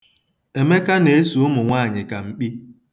Emeka na-eso ụmụ nwaanyị ka mkpi.